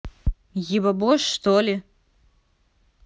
ебобо что ли